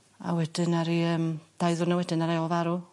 A wedyn aru yym dau ddiwrno wedyn aru o farw.